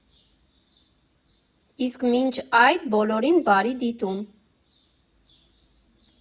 Իսկ մինչ այդ՝ բոլորին բարի դիտում։